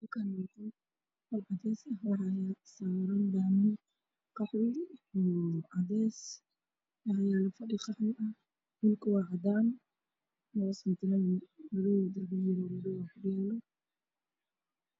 Waa qol waxaa yaalo laba xabo oo fadhi ah midabkiisa uu yahay qaxoow darbiga waa jaallo dhulka waa cadaan